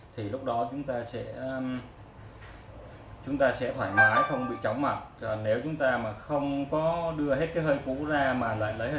khi đó chúng ta sẽ thoải mái không bị chóng mặt nếu chúng ta không đưa hết hơi cũ ra ngoài